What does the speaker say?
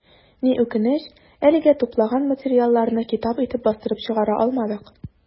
Ни үкенеч, әлегә тупланган материалларны китап итеп бастырып чыгара алмадык.